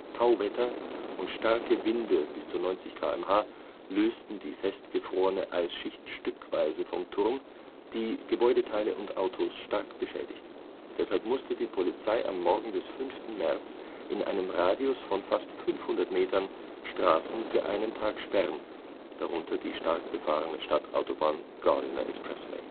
Tauwetter und starke Winde bis zu 90 km/h lösten die festgefrorene Eisschicht stückweise vom Turm, die Gebäudeteile und Autos stark beschädigte. Deshalb musste die Polizei am Morgen des 5. März in einem Radius von fast 500 Metern Straßen für einen Tag sperren, darunter die stark befahrene Stadtautobahn Gardiner Expressway